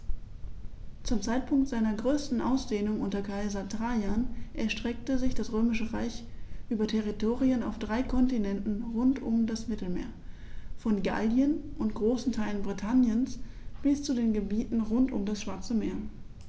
Zum Zeitpunkt seiner größten Ausdehnung unter Kaiser Trajan erstreckte sich das Römische Reich über Territorien auf drei Kontinenten rund um das Mittelmeer: Von Gallien und großen Teilen Britanniens bis zu den Gebieten rund um das Schwarze Meer.